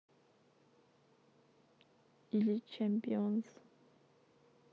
или champions